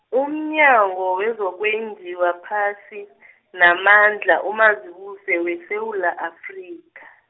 umnyango wezokwenjiwa phasi , namandla, uMazibuse weSewula Afrika.